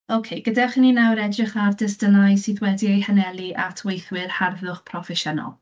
Ok gadewch i ni nawr edrych ar destunau sydd wedi'u hanelu at weithwyr harddwch proffesiynol.